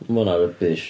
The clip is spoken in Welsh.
Ma' hwnna'n rybish.